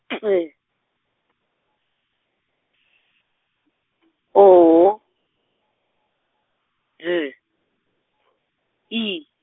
T, O, D, I.